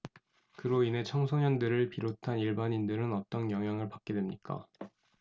그로 인해 청소년들을 비롯한 일반인들은 어떤 영향을 받게 됩니까